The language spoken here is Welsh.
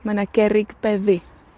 Mae 'na gerrig beddi.